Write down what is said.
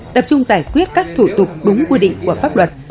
tập trung giải quyết các thủ tục đúng quy định của pháp luật